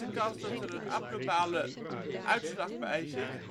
kans dat er een abnormale uitslag bij zit